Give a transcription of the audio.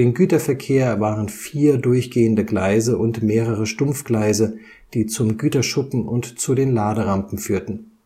Güterverkehr waren vier durchgehende Gleise und mehrere Stumpfgleise, die zum Güterschuppen und zu den Laderampen führten